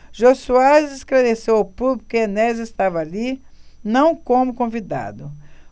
jô soares esclareceu ao público que enéas estava ali não como convidado